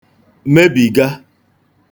mebìga